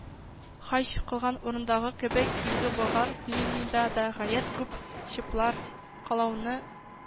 Хаҗ кылган урындагы кебек, Изге Болгар җыенында да гаять күп чүп-чар калауны